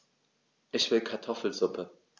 Ich will Kartoffelsuppe.